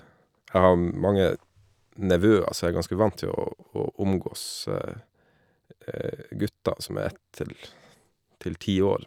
Jeg har mange nevøer, så jeg er ganske vant til å å omgås gutter som er ett til til ti år.